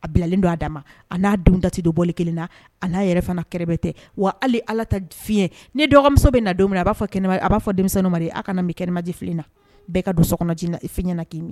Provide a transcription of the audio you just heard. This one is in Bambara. A bilalen don a da ma a n'a don dati don bɔli kelen na a n'a yɛrɛ fana kɛrɛfɛ tɛ wa hali ala taa fiɲɛɲɛ ni dɔgɔmuso bɛ na don min a b'a fɔ kɛnɛma a b'a fɔ denmisɛnninmi mari aw kana bi kɛnɛmajifi na bɛɛ ka don sokɔnɔ i fiɲɛna' ii ye